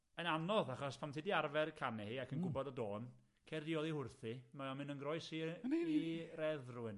yn anodd achos pan ti 'di arfer canu hi ac yn gwbod y dôn, cer di oddi wrthi, mae o'n mynd yn groes i i reddf rywun.